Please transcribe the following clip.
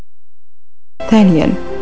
ثانيا